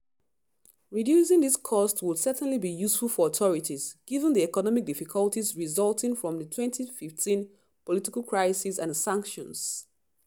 Reducing these costs would certainly be useful for authorities, given the economic difficulties resulting from the 2015 political crisis and sanctions.